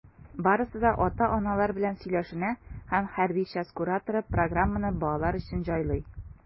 Барысы да ата-аналар белән сөйләшенә, һәм хәрби часть кураторы программаны балалар өчен җайлый.